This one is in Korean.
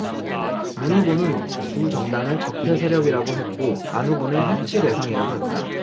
문 후보는 두 정당을 적폐 세력이라고 했고 안 후보는 협치 대상이라고 했다